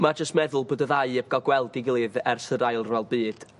Ma' jyst meddwl bod y ddau 'eb ga'l gweld 'i gilydd ers yr ail ryfal byd